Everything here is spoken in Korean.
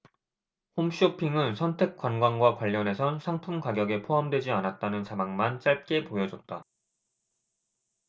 홈쇼핑은 선택관광과 관련해선 상품 가격에 포함되지 않았다는 자막만 짧게 보여줬다